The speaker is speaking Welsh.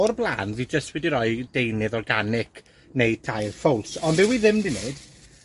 o'r blan, fi jyst wedi roi deunydd organic neu tail ffowls, ond be wi ddim 'di neud,